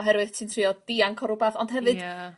...oherwydd ti'n trio dianc o rwbath ond hefyd... Ia.